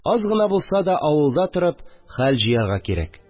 Аз гына булса да авылда торп хәл җыярга кирәк